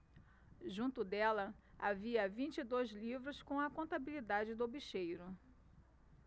junto dela havia vinte e dois livros com a contabilidade do bicheiro